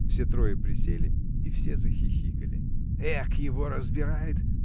Все трое присели и все захихикали. — Эк его разбирает!